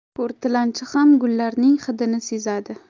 ko'r tilanchi ham gullarning hidini sezadi